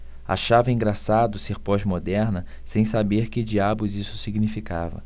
achava engraçado ser pós-moderna sem saber que diabos isso significava